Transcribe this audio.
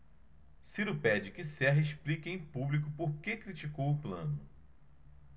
ciro pede que serra explique em público por que criticou plano